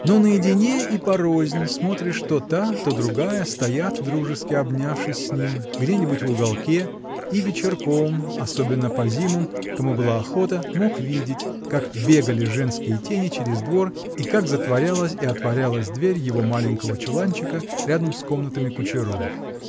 Но наедине и порознь, смотришь, то та, то другая стоит, дружески обнявшись с ним, где-нибудь в уголке, и вечерком, особенно по зимам, кому была охота, мог видеть, как бегали женские тени через двор и как затворялась и отворялась дверь его маленького чуланчика, рядом с комнатами кучеров.